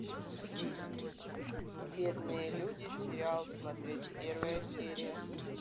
бедные люди сериал смотреть первая серия